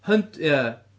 hynd- ia